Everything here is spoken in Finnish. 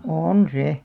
on se